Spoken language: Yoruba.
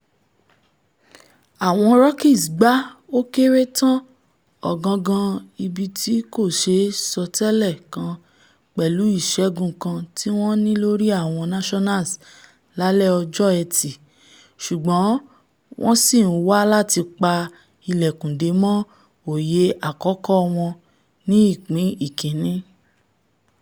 Àwọn Rockies gba ó kéré tán ọ̀gangan-ibi tí kòṣeé sọtẹ́lẹ̀ kan pẹ̀lú ìṣẹ́gun kan tíwọ́n ní lórí Àwọn Nationals lálẹ̵́ ọjọ́ Ẹtì, ṣùgbọ́n wọ́n sí ńwá láti pa ìlẹ̀kùn dé mọ oyè àkọ́kọ́ wọn ní ìpín ìkínní.